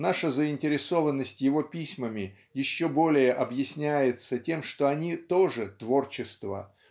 наша заинтересованность его письмами еще более объясняется тем что они тоже творчество